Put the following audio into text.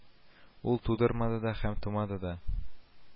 Ул тудырмады да һәм тумады да